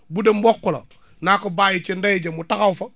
bu dee mboq la naa ko bàyyi ca ndey ja mu taxaw fa